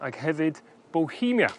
ag hefyd Bohemia.